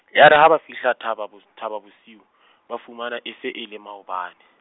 yare ha ba fihla Thababos-, Thaba bosiu , ba fumana e se e le maobane.